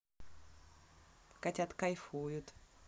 котята кайфуют